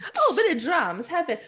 O, bit of drams hefyd.